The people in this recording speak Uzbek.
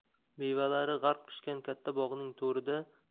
mevalari g'arq pishgan katta bog'ning